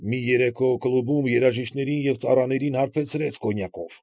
Մի երեկո կլուբում երաժիշտներին և ծառաներին հարբեցրեց կոնյակով։